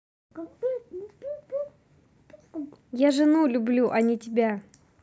я жену люблю они тебя